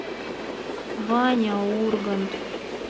ваня ургант